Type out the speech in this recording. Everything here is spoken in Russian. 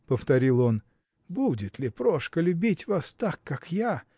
– повторил он, – будет ли Прошка любить вас так, как я?